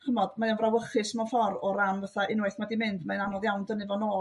ch'mod mae o'n frawychus mewn ffor' o ran fatha unwaith ma' 'di mynd mae'n anodd iawn dynnu fo nôl